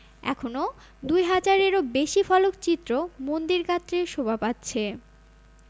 এখনও ২হাজার এরও বেশি ফলকচিত্র মন্দির গাত্রে শোভা পাচ্ছে